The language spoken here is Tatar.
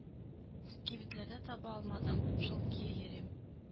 Кибетләрдә таба алмадым, шул көе йөрим.